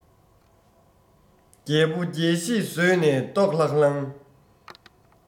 རྒྱལ པོ རྒྱལ གཞིས ཟོས ནས ལྟོགས ལྷང ལྷང